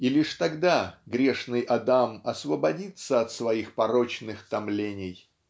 и лишь тогда грешный Адам освободится от своих порочных томлений.